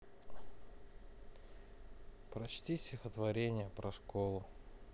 прочти стихотворение про школу